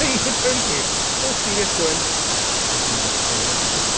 And you turn to me, so serious, going "So, be ti'n meddwl?" Like...